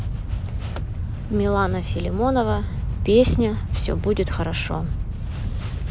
милана филимонова песня все будет хорошо